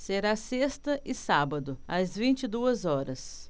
será sexta e sábado às vinte e duas horas